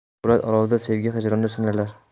po'lat olovda sevgi hijronda sinalar